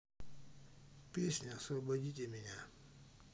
песня освободите меня